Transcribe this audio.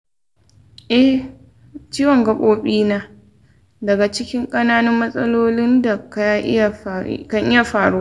eh, ciwon gabobi na daga cikin ƙananan matsalolin da ka iya faruwa. ba abin da ke hana yin rigakafi ba ne.